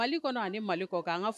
Mali kɔnɔ ani Mali kɔkan an ŋa f